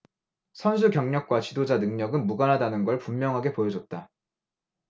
선수 경력과 지도자 능력은 무관하다는 걸 분명하게 보여줬다